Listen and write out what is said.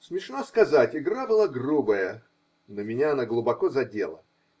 Смешно сказать: игра была грубая, но меня она глубоко задела.